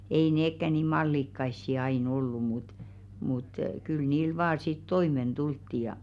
ei nekään niin mallikkaita aina ollut mutta mutta kyllä niillä vain sitten toimeen tultiin ja